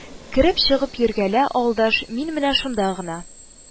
Кереп-чыгып йөргәлә, авылдаш, мин менә шунда гына